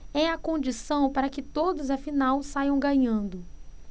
é a condição para que todos afinal saiam ganhando